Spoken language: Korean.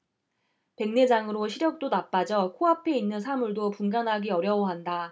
백내장으로 시력도 나빠져 코 앞에 있는 사물도 분간하기 어려워한다